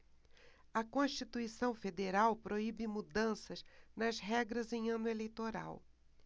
a constituição federal proíbe mudanças nas regras em ano eleitoral